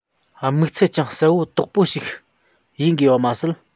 དམིགས ཚད ཀྱང གསལ བོ དག པོ ཞིག ཡིན དགོས པ མ ཟད